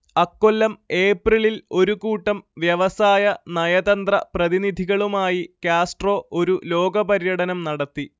അക്കൊല്ലം ഏപ്രിലിൽ ഒരു കൂട്ടം വ്യവസായ നയതന്ത്ര പ്രതിനിധികളുമായി കാസ്ട്രോ ഒരു ലോക പര്യടനം നടത്തി